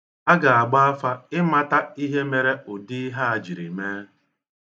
A ga-agba afa ịmata ihe mere ụdị ihe a jiri mee.